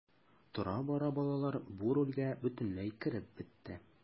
Тора-бара балалар бу рольгә бөтенләй кереп бетте.